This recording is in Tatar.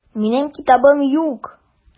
Минем китабым юк.